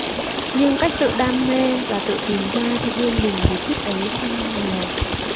nhưng cách tự đam mê và tự tìm ra cho riêng mình bí quyết ấy không nhiều